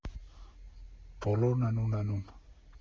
Բոլորն են ունենում։